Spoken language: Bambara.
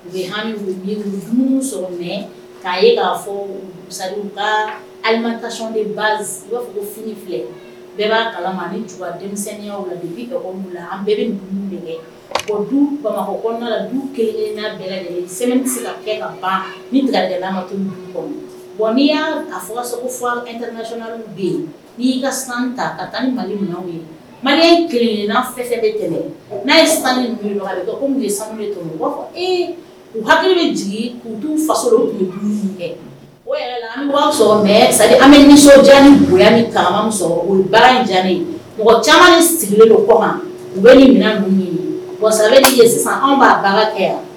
U bɛmi mɛ k' ye k' fɔ ali de bali i b'a fɔ ko f filɛ bɛɛ b'a kala ma ni denmisɛnninya la an bɛɛ bɛ du kɛ du bamakɔ du ke ka'a fɔ ka bɛ n''i ka san ta ka tan ni mali minnu ye ma kelenina n'a ye san ye sanu u hakili bɛ jigin u du faso an bɛ nisɔndiya ni bonya ni o in mɔgɔ caman sigilen don kɔ kan u bɛ nin minɛn wa ye san an b'a baara kɛ yan